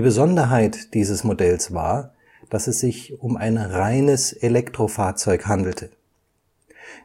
Besonderheit dieses Modells war, dass es sich um ein reines Elektrofahrzeug handelte.